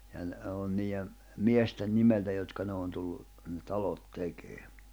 ja ne on niiden miesten nimeltä jotka ne on tullut ne talot tekee